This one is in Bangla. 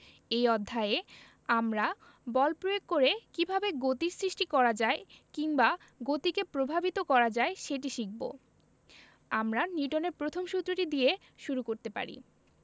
এই অধ্যায়ে আমরা বল প্রয়োগ করে কীভাবে গতির সৃষ্টি করা যায় কিংবা গতিকে প্রভাবিত করা যায় সেটি শিখব আমরা নিউটনের প্রথম সূত্রটি দিয়ে শুরু করতে পারি